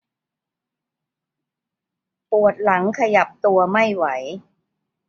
ปวดหลังขยับตัวไม่ไหว